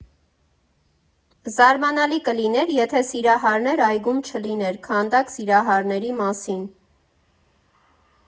Զարմանալի կլիներ, եթե Սիրահարների այգում չլիներ քանդակ սիրահարների մասին։